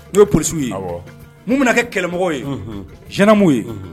U ye police ye mun bɛna kɛ kɛlɛkɛlɛw ye o ye